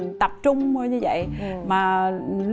tập trung vậy như dậy mà lúc